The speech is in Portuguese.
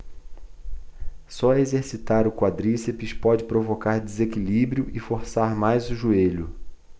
só exercitar o quadríceps pode provocar desequilíbrio e forçar mais o joelho